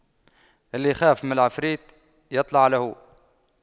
اللي يخاف من العفريت يطلع له